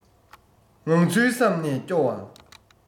ངང ཚུལ བསམ ནས སྐྱོ བ